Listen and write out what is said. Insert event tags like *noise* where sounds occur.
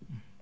*hesitation* *hesitation*